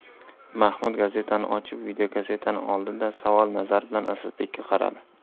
mahmud gazetani ochib videokassetani oldi da savol nazari bilan asadbekka qaradi